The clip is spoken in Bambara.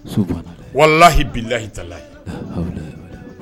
Walahila i talayi